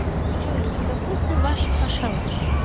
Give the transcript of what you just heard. джой я тебя после ваше пошел